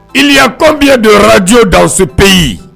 Iya kɔnbiya dɔwyɔrɔj da se peyi